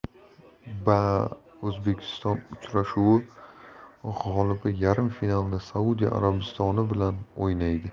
baa o'zbekiston uchrashuvi g'olibi yarim finalda saudiya arabistoni bilan o'ynaydi